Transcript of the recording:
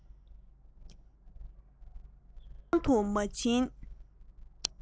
སྐྲག སྣང དུ མ བྱིན